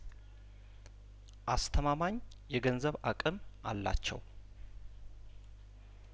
አስተማማኝ የገንዘብ አቅም አላቸው